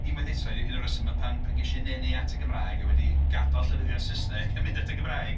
Unwaith eto u- un o'r rhesymau pan pan ges i'n nenu at y Gymraeg a wedi gadael llenyddiaeth Saesneg a mynd at y Gymraeg.